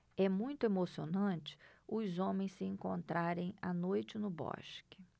é muito emocionante os homens se encontrarem à noite no bosque